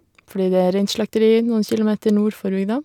Fordi det er reinslakteri noen kilometer nord for bygda.